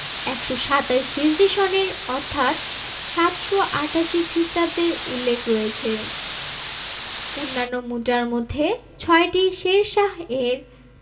১২৭ হিজরি সনের অর্থাৎ ৭৮৮ খ্রিটাব্দের উল্লেখ রয়েছে অন্যান্য মুদ্রার মধ্যে ছয়টি শেরশাহ এর